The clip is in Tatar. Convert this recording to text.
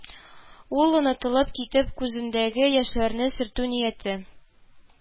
Ул, онытылып китеп, күзендәге яшьләрне сөртү нияте